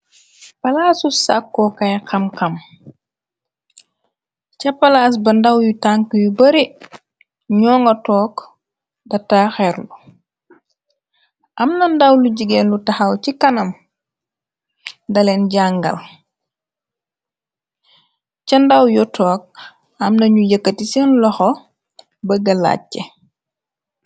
Palaasu sàkko kay xam-xam ca palaas ba ndaw yu tànk yu bare ño nga took data xeerlu amna ndaw lu jigeen lu taxaw ci kanam daleen jàngal ca ndaw yotook amna ñu yëkkati seen loxo bëgga làcce.